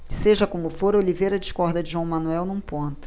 seja como for oliveira discorda de joão manuel num ponto